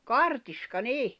kartiska niin